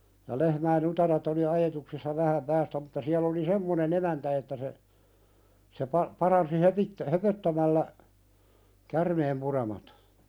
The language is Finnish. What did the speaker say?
ja lehmien utareet oli ajetuksissa vähän päästä mutta siellä oli semmoinen emäntä että se se - paransi - höpöttämällä käärmeenpuremat